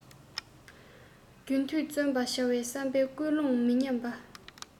རྒྱུན མཐུད བརྩོན པ བྱ བའི བསམ པའི ཀུན སློང མི ཉམས པ